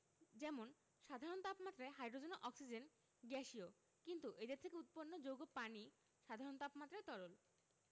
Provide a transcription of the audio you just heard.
যেমন সাধারণ তাপমাত্রায় হাইড্রোজেন ও অক্সিজেন গ্যাসীয় কিন্তু এদের থেকে উৎপন্ন যৌগ পানি সাধারণ তাপমাত্রায় তরল